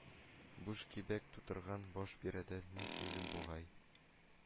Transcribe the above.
Буш кибәк тутырган баш биредә мин үзем бугай